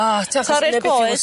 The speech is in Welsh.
O t'o' ...torri'r coes...